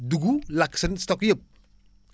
dugg lakk seen stock yëpp